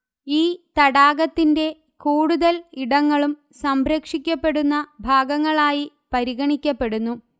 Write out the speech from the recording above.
ഈ തടാകത്തിന്റെ കൂടുതൽ ഇടങ്ങളും സംരക്ഷിക്കപ്പെടുന്ന ഭാഗങ്ങളായി പരിഗണിക്കപ്പെടുന്നു